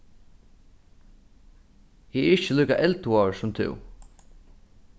eg eri ikki líka eldhugaður sum tú